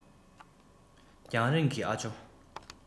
རྒྱང རིང གི ཨ ཇོ